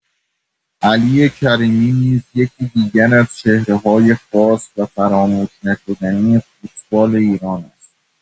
علی کریمی نیز یکی دیگر از چهره‌های خاص و فراموش‌نشدنی فوتبال ایران است.